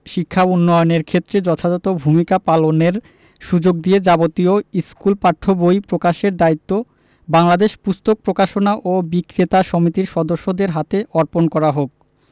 শিক্ষা উন্নয়নের ক্ষেত্রে যথাযথ ভূমিকা পালনের সুযোগ দিয়ে যাবতীয় স্কুল পাঠ্য বই প্রকাশের দায়িত্ব বাংলাদেশ পুস্তক প্রকাশক ও বিক্রেতা সমিতির সদস্যদের হাতে অর্পণ করা হোক